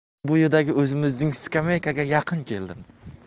suv bo'yidagi o'zimizning skameykaga yaqin keldim